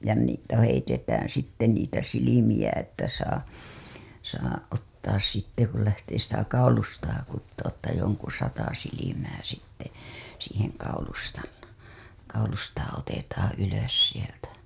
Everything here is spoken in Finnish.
ja niitä heitetään sitten niitä silmiä että saa saa ottaa sitten kun lähtee sitä kaulustaa kutomaan että jonkun sata silmää sitten siihen kaulustan kaulustaan otetaan ylös sieltä